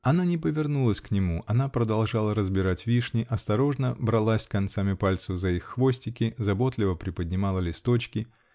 Она не повернулась к нему, она продолжала разбирать вишни, осторожно бралась концами пальцев за их хвостики, заботливо приподнимала листочки.